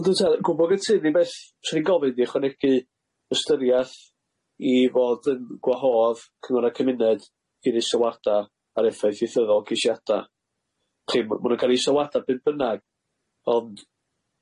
Ond yy ta- gwbwl cytun yw beth swn i'n gofyn ydi ychwanegu ystyriath i fod yn gwahodd cymuned cymuned i neu sylwada ar effaith ieithyddol gesiada cyn ma' ma' nw'n ca'l ei sylwada be' bynnag ond